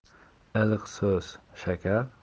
iliq so'z shakar